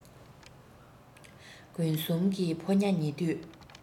དགུན གསུམ གྱི ཕོ ཉ ཉེ དུས